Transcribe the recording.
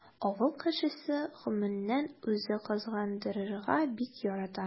Авыл кешесе гомумән үзен кызгандырырга бик ярата.